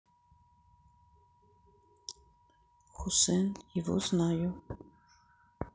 хусен его знаю